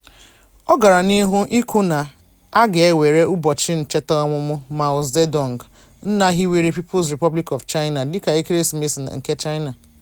Ọ gara n'ihu ikwu na a ga-ewere ụbọchị ncheta ọmụmụ Mao Zedong, nna hiwere People's Republic of China, dị ka ekeresimesi nke China: